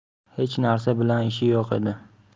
hech narsa bilan ishi yo'q edi